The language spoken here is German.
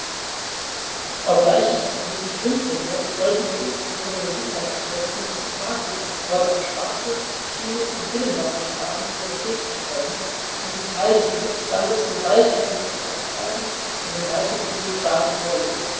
Obgleich ich das an sich nicht schlimm finde, sollten wir insbesondere den Sicherheitsaspekten des Gefahrguttransports auf Straße, Schiene und Binnenwasserstraßen Priorität einräumen, diesen Teil des Besitzstands so bald als möglich aufgreifen und den beitrittswilligen Staaten vorlegen.